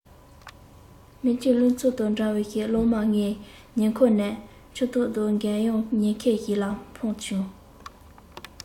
མེ ལྕེའི རླུང འཚུབ དང འདྲ བའི གློག དམར ངའི ཉེ འཁོར ནས འཁྱུག ཐོག རྡོ འགའ ཡང ཉེ འཁོར ཞིག ལ འཕངས བྱུང